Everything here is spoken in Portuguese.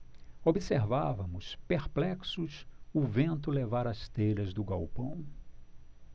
observávamos perplexos o vento levar as telhas do galpão